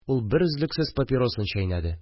Ул берөзлексез папиросын чәйнәде